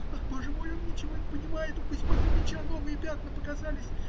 - Ах боже мой, он ничего не понимает - У Кузьмы Фомича новые пятна показались.